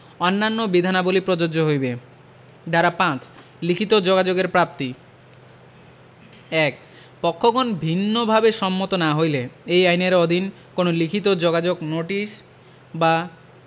অন্যান্য বিধানাবলী প্রযোজ্য হইবে ধারা ৫ লিখিত যোগাযোগের প্রাপ্তিঃ ১ পক্ষগণ ভিন্নভাবে সম্মত না হইলে এই আইনের অধীন কোন লিখিত যোগাযোগ নোটিশ বা